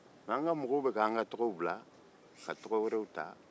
an ka mɔgɔw bɛka an tɔgɔw bila ka tɔgɔ wɛrɛw ta